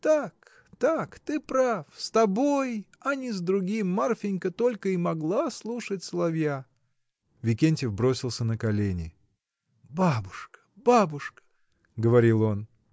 Так, так: ты прав, с тобой, а не с другим, Марфинька только и могла слушать соловья. Викентьев бросился на колени. — Бабушка, бабушка! — говорил он.